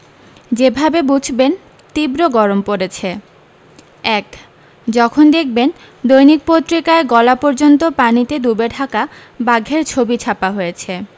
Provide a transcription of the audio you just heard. যেভাবে বুঝবেন তীব্র গরম পড়েছে ১ যখন দেখবেন দৈনিক পত্রিকায় গলা পর্যন্ত পানিতে ডুবে থাকা বাঘের ছবি ছাপা হয়েছে